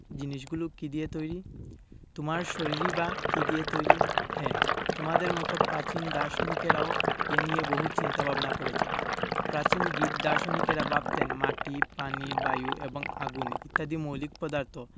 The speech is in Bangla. জিনিসগুলো কী দিয়ে তৈরি তোমার শরীরই বা কী দিয়ে তৈরি হ্যাঁ তোমাদের মতো প্রাচীন দার্শনিকেরাও এ নিয়ে বহু চিন্তা ভাবনা করেছেন প্রাচীন গিক দার্শনিকেরা ভাবতেন মাটি পানি বায়ু এবং আগুন ইত্যাদি মৌলিক পদার্থ